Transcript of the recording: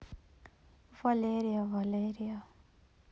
валерия валерия